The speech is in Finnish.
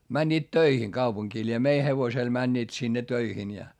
menivät töihin kaupunkiin lie meidän hevosella menivät sinne töihin ja